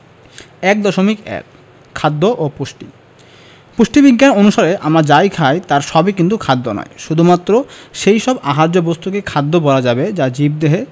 ১.১ খাদ্য ও পুষ্টি পুষ্টিবিজ্ঞান অনুসারে আমরা যা খাই তার সবই কিন্তু খাদ্য নয় শুধুমাত্র সেই সব আহার্য বস্তুকেই খাদ্য বলা যাবে যা জীবদেহে